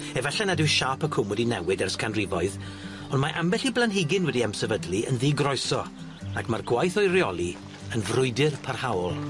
Efalle nad yw siâp y cwm wedi newid ers canrifoedd on' mae ambell i blanhigyn wedi ymsefydlu yn ddigroeso, ac ma'r gwaith o'i reoli yn frwydyr parhaol.